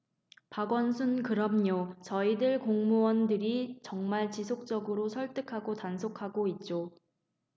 박원순 그럼요 저희들 공무원들이 정말 지속적으로 설득하고 단속하고 있죠